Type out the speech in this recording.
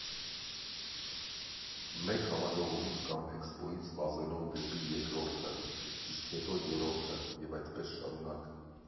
Մեկ համաժողովից կամ էքսպոյից վազելով դեպի երկրորդը, իսկ հետո երրորդը և այդպես շարունակ։